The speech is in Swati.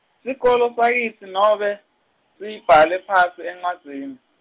sikolo sakitsi nobe siyibhale phasi encwadzini.